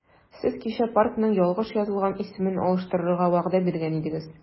Сез кичә паркның ялгыш язылган исемен алыштырырга вәгъдә биргән идегез.